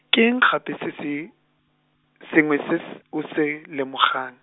ke eng gape se , sengwe se s-, o se, lemogang?